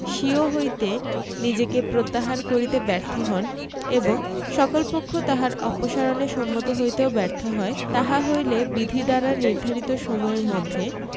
স্বীয় হইতে নিজেকে প্রত্যাহার কারিতে ব্যর্থ হন এবং সকল পক্ষ তাহার অপসারণে সম্মত হইতেও ব্যর্থ হয় তাহা হইলে বিধি দ্বারা নির্ধারিত সময়ের মধ্যে